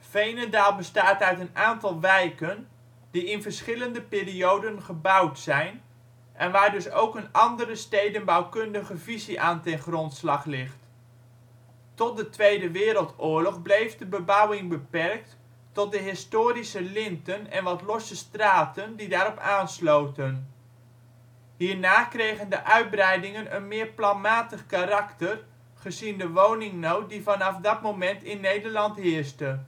Veenendaal bestaat uit een aantal wijken, die in verschillende perioden gebouwd zijn en waar dus ook een andere stedenbouwkundige visie aan grondslag ligt. Tot de Tweede Wereldoorlog bleef de bebouwing beperkt tot de historische linten en wat losse straten die daar op aansloten. Hierna kregen de uitbreidingen een meer planmatig karakter gezien de woningnood die vanaf dat moment in Nederland heerste